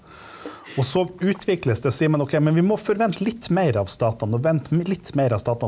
og så utvikles det, sier man ok, men vi må forvente litt mer av statene og vente litt mer av statene.